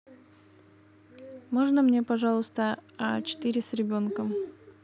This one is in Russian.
можно мне пожалуйста а четыре с ребенком